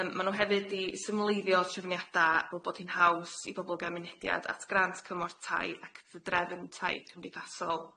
Yym ma' nw hefyd di symleiddio trefniada fel bod hi'n haws i bobol ga'l mynediad at grant cymorth tai ac fy drefn tai cymdeithasol.